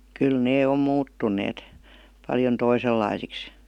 kyllä ne on muuttuneet paljon toisenlaisiksi